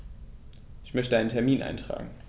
Ich möchte einen Termin eintragen.